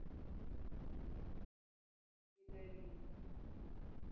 и давид